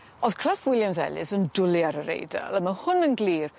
O'dd Clough williams-Ellis yn dwli ar yr Eidal a ma' hwn yn glir